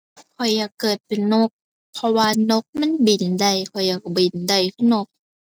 ข้อยอยากเกิดเป็นนก เพราะว่านกมันบินได้ ข้อยอยากบินได้คือนก